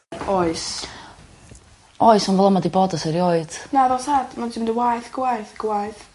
Oes. Oes on' fel 'na ma' 'di bod e's erioed. Naddo tad ma'n jyst yn mynd yn waeth gwaeth gwaeth.